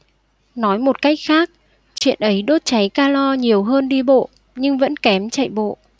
nói một cách khác chuyện ấy đốt cháy calo nhiều hơn đi bộ nhưng vẫn kém chạy bộ